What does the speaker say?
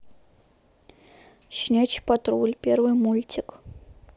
щенячий патруль первый мультик